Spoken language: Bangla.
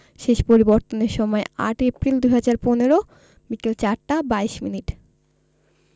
শেষ পরিবর্তনের সময়ঃ ৮ এপ্রিল ২০১৫ বিকেল ৪টা ২২ মিনিট